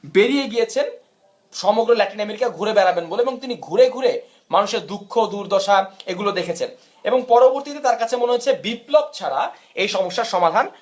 বেরিয়ে গিয়েছেন সমগ্র লেটিন আমেরিকা ঘুরে বেড়াবেন বলে এবং তিনি ঘুরে ঘুরে মানুষের দুঃখ-দুর্দশায় গুলো দেখেছেন এবং পরবর্তীতে তার কাছে মনে হয়েছে বিপ্লব ছাড়া এ সমস্যার সমাধান